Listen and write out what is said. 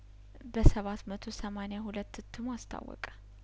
በሰባት መቶ ሰማኒያሁለት እትሙ አስታወቀ